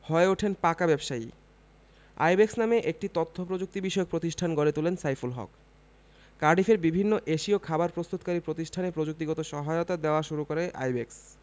হয়ে ওঠেন পাকা ব্যবসায়ী আইব্যাকস নামে একটি তথ্যপ্রযুক্তিবিষয়ক প্রতিষ্ঠান গড়ে তোলেন সাইফুল হক কার্ডিফের বিভিন্ন এশীয় খাবার প্রস্তুতকারী প্রতিষ্ঠানে প্রযুক্তিগত সহায়তা দেওয়া শুরু করে আইব্যাকস